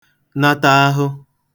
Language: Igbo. nataahụ